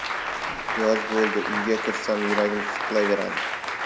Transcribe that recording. yoz bo'ldi uyga kirsam yuragim siqilaveradi